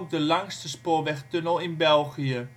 de langste spoorwegtunnel in België